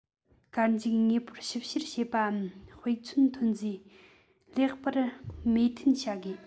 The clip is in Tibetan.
བཀར འཇུག དངོས པོར ཞིབ བཤེར བྱེད པའམ དཔེ མཚོན ཐོན རྫས ལེན པར མོས མཐུན བྱ དགོས